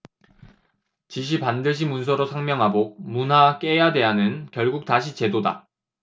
지시 반드시 문서로 상명하복 문화 깨야대안은 결국 다시 제도다